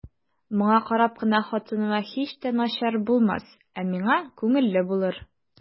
Моңа карап кына хатыныма һич тә начар булмас, ә миңа күңелле булыр.